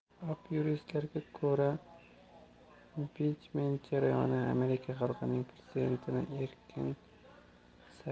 apyuristlarga ko'ra impichment jarayoni amerika xalqining